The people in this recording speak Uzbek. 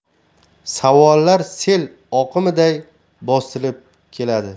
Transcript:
savollar sel oqimiday bostirib keladi